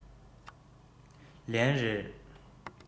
ལན རེར